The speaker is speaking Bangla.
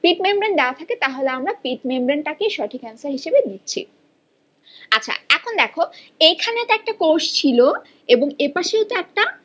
যদি পিট মেমব্রেন দেওয়া থাকে তাহলে পিট মেমব্রেন টাকেই আমরা সঠিক অ্যান্সার হিসেবে দিচ্ছি এখন দেখো এখানে তো একটা কোষ ছিল এবং এ পাশে একটা